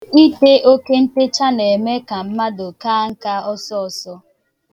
Ite oke ntecha na-eme ka mmadụ kaa nka ọsọọsọ